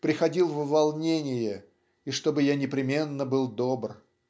приходил в волнение и чтобы я непременно был добр.